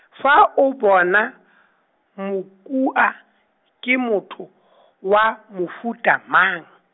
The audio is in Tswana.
fa o bona, Mokua, ke motho , wa, mofuta mang?